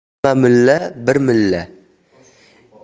hamma mulla bir mulla